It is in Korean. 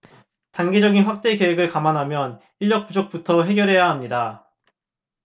단계적인 확대 계획을 감안하면 인력 부족부터 해결해야 합니다